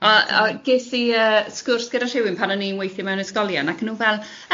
A- a- ges i yy sgwrs gyda rhywun pan o'n i'n weithio mewn ysgolion ac o'n nhw fel,